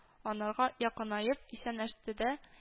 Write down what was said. Анарга якынаеп исәннәштедә